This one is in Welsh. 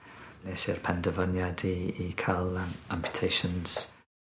nes i'r pendyfyniad i i ca'l yym amputations.